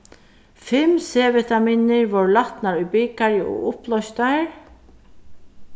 fimm c-vitaminir vórðu latnar í bikarið og upploystar